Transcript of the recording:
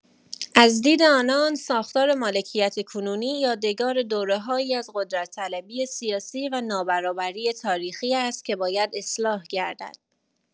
از دید آنان، ساختار مالکیت کنونی یادگار دوره‌هایی از قدرت‌طلبی سیاسی و نابرابری تاریخی است که باید اصلاح گردد.